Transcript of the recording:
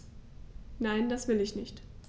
Nein, das will ich nicht.